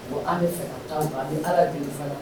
Bon an bɛ fɛ an bɛ ala